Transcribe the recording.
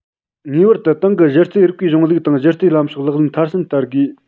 ངེས པར དུ ཏང གི གཞི རྩའི རིགས པའི གཞུང ལུགས དང གཞི རྩའི ལམ ཕྱོགས ལག ལེན མཐར ཕྱིན བསྟར དགོས